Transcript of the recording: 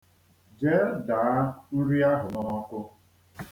Jee daa nri ahụ n'ọkụ